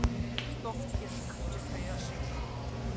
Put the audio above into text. что в тебе за техническая ошибка